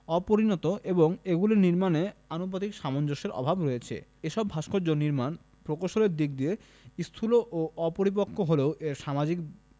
অপরিণত এবং এগুলির নির্মাণের আনুপাতিক সামঞ্জস্যের অভাব রয়েছে এ সব ভাস্কর্য নির্মাণ কৌশলের দিক দিয়ে স্থুল ও অপরিপক্ক হলেও এর সামাজিক